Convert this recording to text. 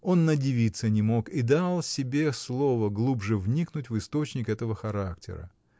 Он надивиться не мог и дал себе слово глубже вникнуть в источник этого характера.